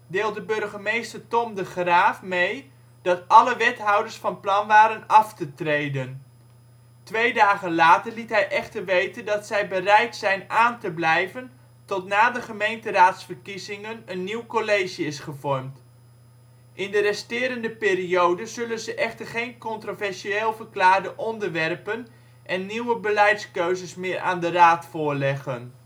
deelde burgemeester Thom de Graaf mee dat alle wethouders van plan waren af te treden. Twee dagen later liet hij echter weten dat zij bereid zijn aan te blijven tot na de gemeenteraadsverkiezingen een nieuw college is gevormd. In de resterende periode zullen ze echter geen controversieel verklaarde onderwerpen en nieuwe beleidskeuzes meer aan de raad voorleggen